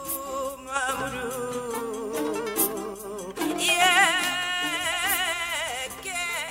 Malɔ miniyan yo kɛ